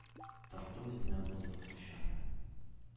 Тартты үзенә бозлы көч аны.